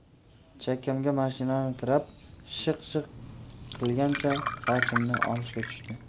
chakkamga mashinani tirab shiq shiq qilgancha sochimni olishga tushdi